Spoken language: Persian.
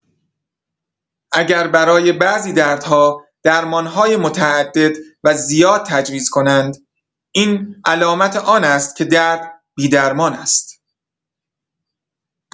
اگر برای بعضی دردها درمان‌های متعدد و زیاد تجویز کنند، این علامت آن است که درد بی‌درمان است.